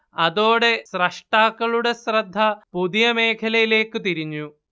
അതോടെ സ്രഷ്ടാക്കളുടെ ശ്രദ്ധ പുതിയമേഖലയിലേക്കു തിരിഞ്ഞു